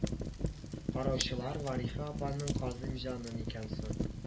Караучылар варифә апаның касыймҗанын икән соң